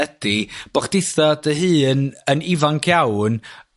ydi bo' chditha' dy hun yn ifanc iawn